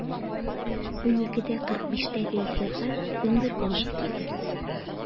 12.45-тәге эфирга 11-дә үк килә.